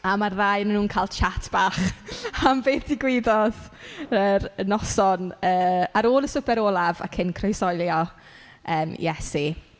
A ma'r ddau o nhw'n cael chat bach am beth digwyddodd yr noson yy ar ôl y Swper Olaf a cyn croeshoelio yym Iesu.